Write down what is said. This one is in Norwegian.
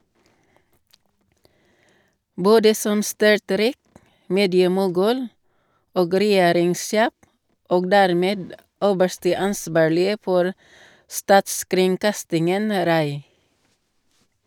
Både som styrtrik mediemogul og regjeringssjef, og dermed øverste ansvarlige for statskringkastingen RAI.